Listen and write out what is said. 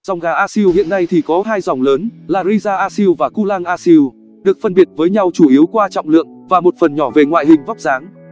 dòng gà asil hiện nay thì có hai dòng lớn là reza asil và kulang asil được phân biệt với nhau chủ yếu qua trọng lượng và một phần nhỏ về ngoại hình vóc dáng